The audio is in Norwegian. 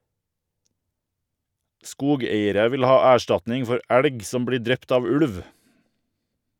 Skogeiere vil ha erstatning for elg som blir drept av ulv.